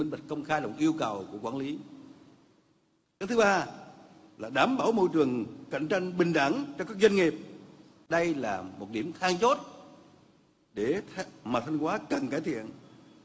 minh bạch công khai yêu cầu của quản lý đứng thứ ba là đảm bảo môi trường cạnh tranh bình đẳng cho các doanh nghiệp đây là một điểm then chốt để mà thanh hóa cần cải thiện